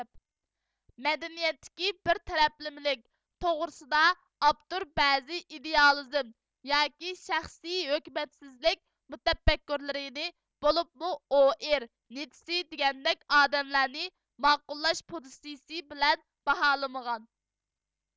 مەدەنىيەتتىكى بىر تەرەپلىمىلىك توغرىسىدا ئاپتور بەزى ئىدېئالىزم ياكى شەخسىي ھۆكۈمەتسىزلىك مۇتەپەككۇرلىرىنى بولۇپمۇ ئوئىر نىتسى دېگەندەك ئادەملەرنى ماقۇللاش پوزىتسىيىسى بىلەن باھالىمىغان